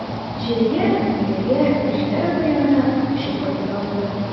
Җәйгә бөтенләйгә Гөлчибәр апа янына күчеп кайтырга булдым.